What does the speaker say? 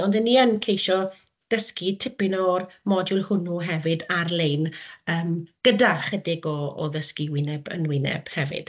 ond 'y ni yn ceisio dysgu tipyn o'r modiwl hwnnw hefyd ar-lein yym gyda chydig o ddysgu wyneb yn wyneb hefyd.